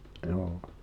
joo